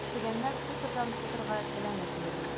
Ә чегәннәр хутордан хуторга теләнеп йөри.